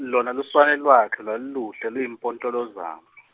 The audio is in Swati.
lona luswane lwakhe lwaluluhle luyimpontolozane .